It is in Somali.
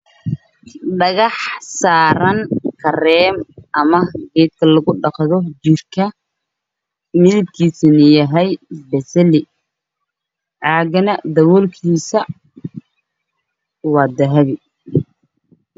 Meeshan waa meel lagu gu tala galay in banooni lagu ciyaaro OO saaran yahay roog Cagaar ah